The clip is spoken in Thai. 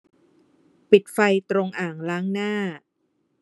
ปิดไฟตรงอ่างล้างหน้า